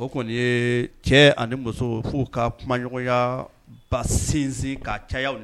O kɔni ye cɛ ani muso fo ka kumaɲɔgɔnya ba sinsin ka caya